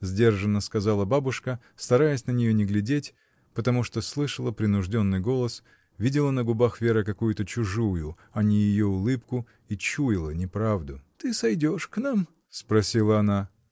— сдержанно сказала бабушка, стараясь на нее не глядеть, потому что слышала принужденный голос, видела на губах Веры какую-то чужую, а не ее улыбку и чуяла неправду. — Ты сойдешь к нам? — спросила она.